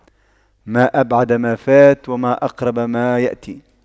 ما أبعد ما فات وما أقرب ما يأتي